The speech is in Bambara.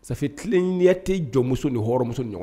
Safe tilennenya tɛ jɔnmuso ni hɔrɔnmuso ni ɲɔgɔn